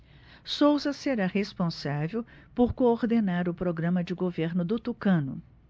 souza será responsável por coordenar o programa de governo do tucano